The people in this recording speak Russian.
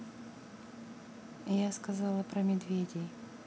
я сказала про медведей